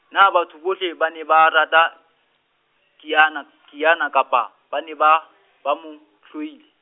na batho bohle ba ne ba rata Kiana, Kiana, kapa, ba ne ba, ba mo, hloile?